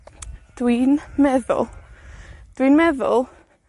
dwi'n meddwl, dwi'n meddwl,